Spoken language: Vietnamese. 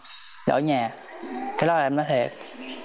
ở nhà cái đó là em nói thiệt